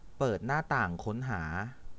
เปิดหน้าต่างค้นหา